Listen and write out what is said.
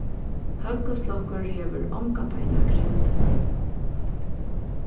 høgguslokkur hevur onga beinagrind